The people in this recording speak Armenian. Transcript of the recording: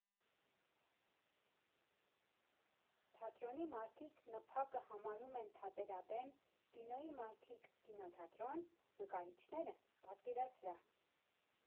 Թատրոնի մարդիկ ՆՓԱԿ֊ը համարում են թատերաբեմ, կինոյի մարդիկ՝ կինոթատրոն, նկարիչները՝ պատկերասրահ։